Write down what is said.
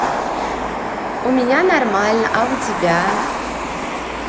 у меня нормально а у тебя